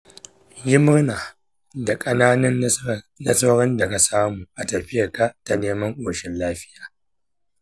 yi murna da ƙananan nasarorin da ka samu a tafiyarka ta neman ƙoshin lafiya.